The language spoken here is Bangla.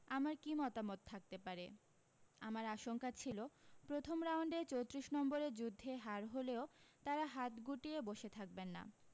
আমার কী মতামত থাকতে পারে আমার আশঙ্কা ছিল প্রথম রাউন্ডে চোত্রিশ নম্বরের যুদ্ধে হার হলেও তারা হাত গুটিয়ে বসে থাকবেন না